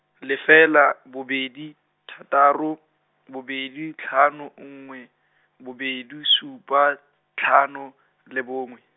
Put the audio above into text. lefela, bobedi, thataro, bobedi tlhano nngwe, bobedi supa, tlhano, le bongwe.